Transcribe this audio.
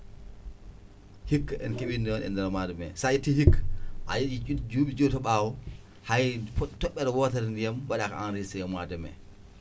hikka en keeɓino noon e nder mois de mai sa itti hikka a duuɓi joyyi to ɓaawo hay pot tobɓere wotere ni ndiyam waɗaka enregistré e mois de mai